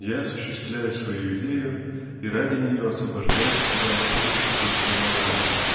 Я осуществляю свою идею и ради нее освобождаю себя от уз обычной морали